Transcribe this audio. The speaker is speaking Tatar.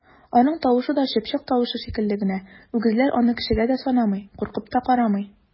Аның тавышы да чыпчык тавышы шикелле генә, үгезләр аны кешегә дә санамый, куркып та карамый!